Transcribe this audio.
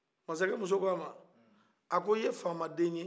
masakɛmuso ko a ma a ko ye fama den ye